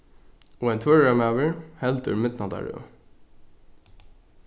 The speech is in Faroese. og ein tvøroyrarmaður heldur midnáttarrøðu